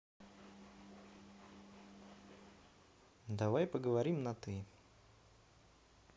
давай поговорим на ты